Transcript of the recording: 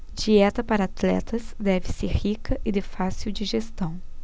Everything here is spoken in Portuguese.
dieta para atletas deve ser rica e de fácil digestão